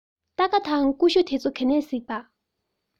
སྟར ཁ དང ཀུ ཤུ དེ ཚོ ག ནས གཟིགས པ